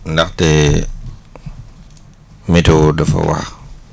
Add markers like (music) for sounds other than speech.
naxte (hesitation) météo dafa wax